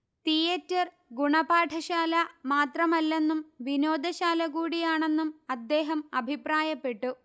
theatre ഗുണപാഠശാല മാത്രമല്ലെന്നും വിനോദശാലകൂടിയാണെന്നും അദ്ദേഹം അഭിപ്രായപ്പെട്ടു